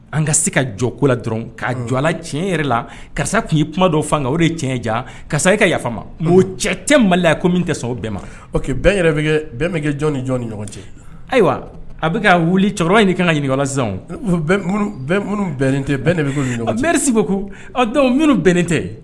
An ka se ka jɔko la dɔrɔn k kaa jɔ la tiɲɛ yɛrɛ la karisa tun yei kuma dɔw fan kan o de ye tiɲɛ jan karisa e ka yafa ma o cɛ cɛ maliya min tɛ sɔn o bɛɛ ma o que bɛ kɛ jɔn ni jɔn ni ɲɔgɔn cɛ ayiwa a bɛ ka wuli cɛkɔrɔba in ɲinii ka kan ka ɲininkaz minnu bɛnnen tɛ bɛɛ bɛ kɛ mɛri ko ko ɔ dɔnku minnu bɛnnen tɛ